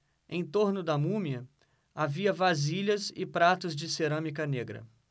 em torno da múmia havia vasilhas e pratos de cerâmica negra